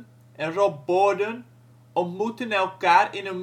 en Rob Bourdon ontmoetten elkaar in hun